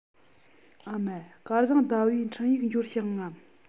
ཨ མ སྐལ བཟང ཟླ བའི འཕྲིན ཡིག འབྱོར བྱུང ངམ